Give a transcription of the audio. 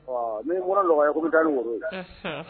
Min bɔra la ko bɛ taa ni kɔrɔ ye